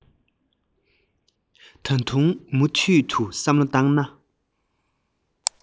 ད དུང མུ མཐུད དུ བསམ བློ བཏང ན